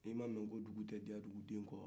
i n'a mɛ ko dugu tɛ diya dugudenw kɔ ya